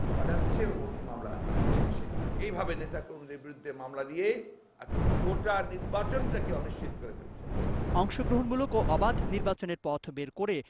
সাজাচ্ছে এবং ভৌতিক মামলা দিচ্ছে এইভাবে নেতা কর্মীদের বিরুদ্ধে মামলা দিয়েই আজকে গোটা নির্বাচন টা কে অনিশ্চিত করেছে অংশগ্রহণমূলক ও অবাধ নির্বাচনের পথ বের করে